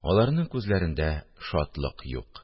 Аларның күзләрендә шатлык юк